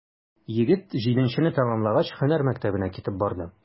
Егет, җиденчене тәмамлагач, һөнәр мәктәбенә китеп барды.